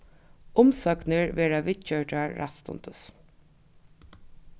umsóknir verða viðgjørdar rættstundis